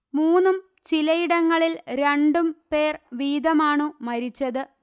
മൂന്നും ചിലയിടങ്ങളിൽ രണ്ടും പേർ വീതമാണു മരിച്ചത്